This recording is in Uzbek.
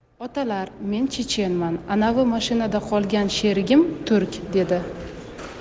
otalar men chechenman anavi mashinada qolgan sherigim turk dedi